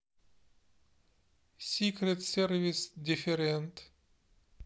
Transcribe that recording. сикрет сервис деферент